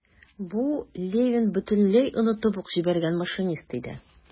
Бу - Левин бөтенләй онытып ук җибәргән машинист иде.